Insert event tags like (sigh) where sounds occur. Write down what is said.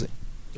(hesitation) (hesitation)